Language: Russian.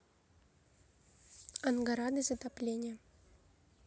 ангарады затопление